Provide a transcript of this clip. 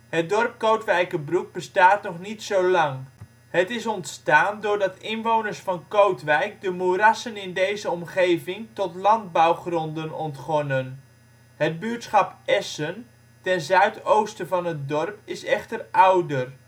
Het dorp Kootwijkerbroek bestaat nog niet zo lang. Het is ontstaan doordat inwoners van Kootwijk de moerassen in deze omgeving tot landbouwgronden ontgonnen. Het buurtschap Essen, ten zuidoosten van het dorp, is echter ouder